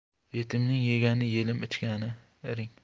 yetimning yegani yelim ichgani iring